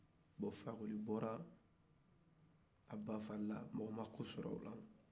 bon fakoli bɔra a ba fari la mɔgɔ ma ko sɔrɔ o la